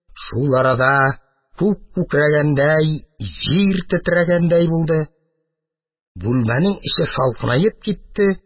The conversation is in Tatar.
Шул арада күк күкрәгәндәй , җир тетрәгәндәй булды, бүлмәнең эче салкынаеп китте.